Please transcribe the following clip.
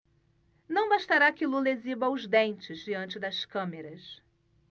não bastará que lula exiba os dentes diante das câmeras